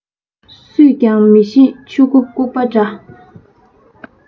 སུས ཀྱང མི ཤེས ཆུ མགོ ལྐུགས པ འདྲ